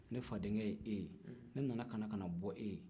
ne fadenkɛ ye e ye ne nana ka na bɔ e ye